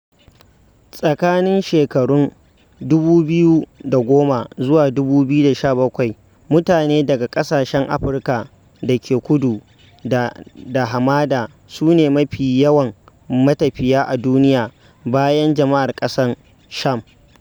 A tsakanin shekarun 2010-2017, mutane daga ƙasashen Afirka da ke kudu da hamada su ne mafiya yawan matafiya a duniya bayan jama'ar ƙasar Sham.